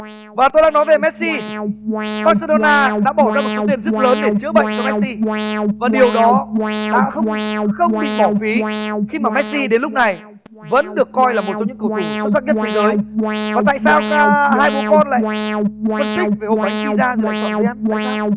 và tôi đã nói về méc si bát xê lô na đã bỏ ra một số tiền rất lớn để chữa bệnh cho méc xi và điều đó đã không không bị bỏ phí khi mà méc xi đến lúc này vẫn được coi là một trong những cầu thủ xuất sắc nhất thế giới và tại sao ca hai bố con lại phân tích về hộp bánh pi da thì lại chọn re an tại sao